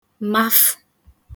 mafụ̀